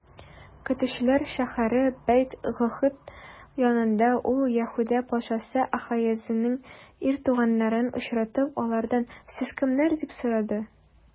Көтүчеләр шәһәре Бәйт-Гыкыд янында ул, Яһүдә патшасы Ахазеянең ир туганнарын очратып, алардан: сез кемнәр? - дип сорады.